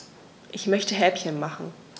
Ich möchte Häppchen machen.